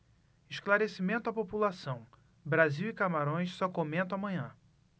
esclarecimento à população brasil e camarões só comento amanhã